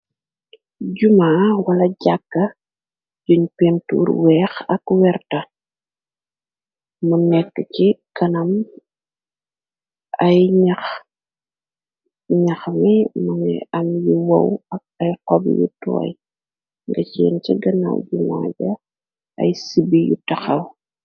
Juma wala jàkk juñ pintur weex ak werta mu nekk ci kanam ay nax mi mëngi am yu wow ay xob yu tooy nga cien ca ganaw juma ja ay sibi yu taxaw.